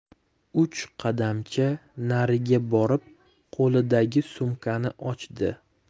uch qadamcha nariga borib qo'lidagi sumkani ochdi